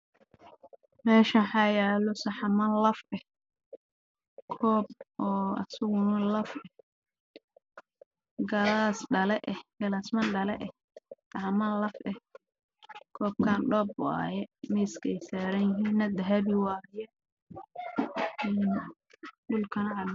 Meeshaan waxaa yaalo saxamaan laf ah